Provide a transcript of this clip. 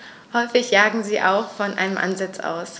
Häufig jagen sie auch von einem Ansitz aus.